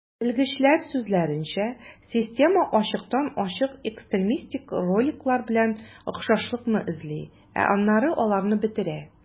Белгечләр сүзләренчә, система ачыктан-ачык экстремистик роликлар белән охшашлыкны эзли, ә аннары аларны бетерә.